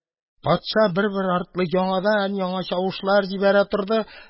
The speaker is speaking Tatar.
Патша бер-бер артлы яңадан-яңа чавышлар җибәрә торды